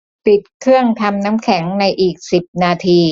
ปิดเครื่องทำน้ำแข็งในอีกสิบนาที